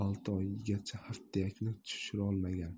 olti oygacha haftiyakni tushirolmagan